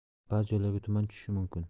ba'zi joylarga tuman tushishi mumkin